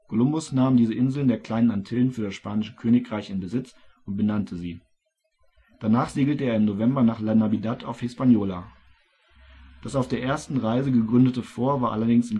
Kolumbus nahm diese Inseln der Kleinen Antillen für das spanische Königreich in Besitz und benannte sie. Danach segelte er im November nach La Navidad auf Hispaniola. Das auf der ersten Reise gegründete Fort war allerdings